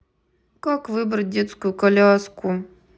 как выбрать детскую коляску